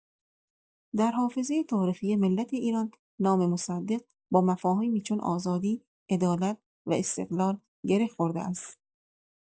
در حافظه تاریخی ملت ایران، نام مصدق با مفاهیمی چون آزادی، عدالت و استقلال گره خورده است.